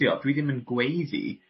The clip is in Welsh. gwthio dwi ddim yn gweuddi